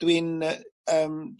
dwi'n yy yym